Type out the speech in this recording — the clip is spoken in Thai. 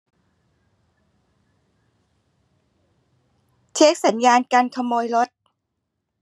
เช็คสัญญาณกันขโมยรถ